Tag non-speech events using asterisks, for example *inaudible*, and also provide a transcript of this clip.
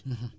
*hesitation* *hesitation*